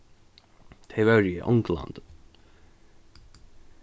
tey vóru í onglandi